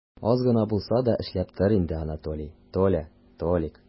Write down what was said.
Аз гына булса да эшләп тор инде, Анатолий, Толя, Толик!